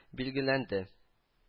Билгеләнде